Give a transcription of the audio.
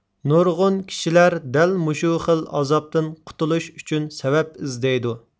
نۇرغۇن كىشىلەر دەل مۇشۇ خىل ئازابتىن قۇتۇلۇش ئۈچۈن سەۋەب ئىزدەيدۇ